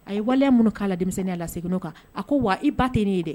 A ye waleya munun ka la denmisɛnninya la , a segin na o kan . A ko wa i ba tɛ ne ye